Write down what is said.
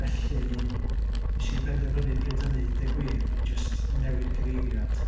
Felly, wnes i benderfynnu bryd hynny deud gwir i jyst newid cyfeiriad.